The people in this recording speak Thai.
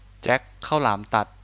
แจ็คข้าวหลามตัด